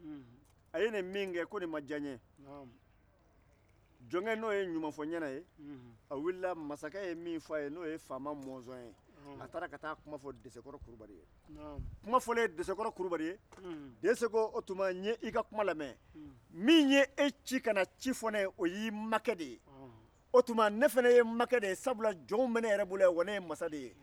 jɔnkɛ n'o ye ɲumanfɔ-n-ɲɛna ye a wulila masakɛ ye min fɔ a ye n'o ye faama mɔnzɔn ye a taara ka taa a kuma fɔ desekɔrɔ kulubali ye kuma fɔlen desekɔrɔ kulubali ye dese ko o tuma n ye i ka kuma lamɛn min ye e ci ka na ci fɔ ne ye o y'i makɛ de ye o tuma ne fana y'i makɛ de ye sabula jɔnw bɛ ne yɛrɛ bolo yan wa ne ye masa de ye